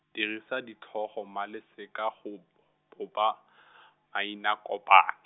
dirisa ditlhogo mma le seka go, bopa , mainakopani.